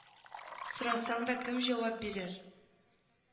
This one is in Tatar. Сорасаң да кем җавап бирер